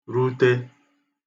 -rute